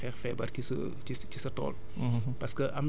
daf lay permettre nga xeex feebar ci sa ci ci sa tool